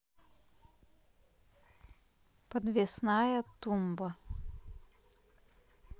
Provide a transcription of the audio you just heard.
подвесная тумба